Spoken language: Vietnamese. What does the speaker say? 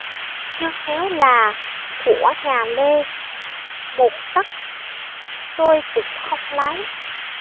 nhưng nếu là của nhà lê một tấc tôi cũng không lấy